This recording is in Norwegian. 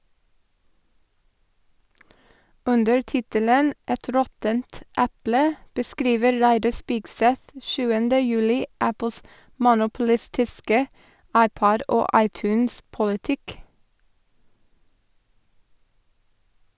Under tittelen «Et råttent eple» beskriver Reidar Spigseth 7. juli Apples monopolistiske iPod- og iTunes-politikk.